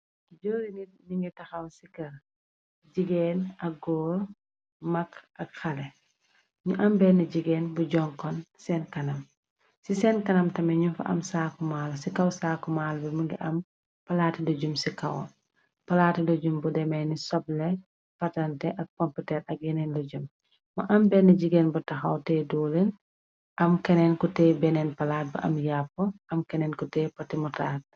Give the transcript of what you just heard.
joori nit ni ngi taxaw ci ka jigéen ak góor mag ak xale ñu am benn jigeen bu jonkon seen kanam ci seen kanam tame ñu fa am saaku maal ci kaw saaku maalbi mingi am palaati dujum ci kaw palaati dujum bu deme ni soble patante ak pompeter ak yeneen lojum ma am benn jigeen bu taxaw tey douleen am keneen ku te beneen palaat bu am yàpp am keneen ku te patimotrat